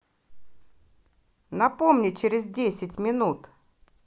напомни через десять минут